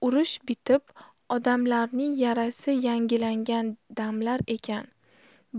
urush bitib odamlarning yarasi yangilangan damlar ekan